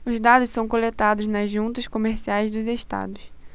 os dados são coletados nas juntas comerciais dos estados